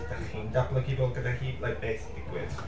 Ydych chi'n datblygu fo gyda hi like be sy'n digwydd?